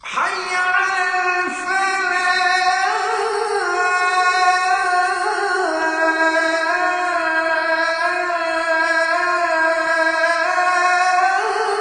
Maa y'i